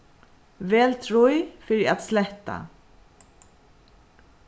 vel trý fyri at sletta